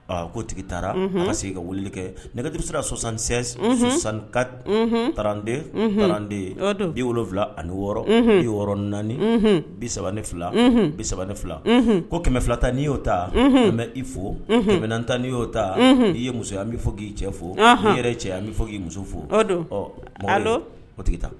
Ko tigi taara ka se ka wuli kɛ nɛgɛti bɛ se ka sɔsansensanka trante den bi wolowula ani wɔɔrɔ ni wɔɔrɔ naani bi3 ne fila bisa ne fila ko kɛmɛ fila tan n'i y'o ta n bɛ i fo mɛ tan n'i y'o ta n'i ye muso yan n bɛ fɔ k'i cɛ fo'i yɛrɛ cɛ yan an bɛ fɔ k'i muso fo ɔ' o tigi taa